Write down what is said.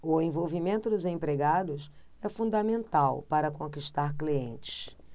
o envolvimento dos empregados é fundamental para conquistar clientes